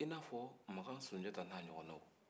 i n'a fɔ makan sunjata n'a ɲɔgɔnnaw